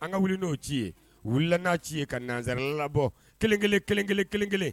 An ka wuli n'o ci ye wulila n' ci ye ka nanra labɔ kelen-kelen kelen-kelen